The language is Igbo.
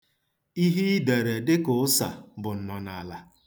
Ihe i dere dịka ụsa bụ nnọnaala.